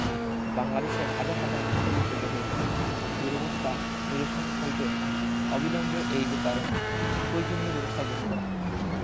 বাংলাদেশের হাজার হাজার পুস্তক বিক্রেতাদের দুরবস্তা নিরসনকল্পে অবিলম্বে এই ব্যাপার পয়োজনীয় ব্যাবস্থা গহণ করা হোক